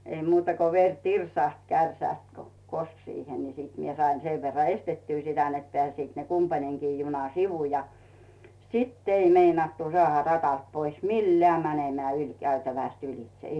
ei muuta kuin veri tirsahti kärsästä kun koski siihen niin minä sain sen verran estettyä sitä että pääsivät ne kumpainenkin juna sivu ja sitten ei meinattu saada radalta pois millään menemään ylikäytävästä ylitse